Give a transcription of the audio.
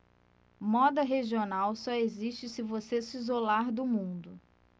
moda regional só existe se você se isolar do mundo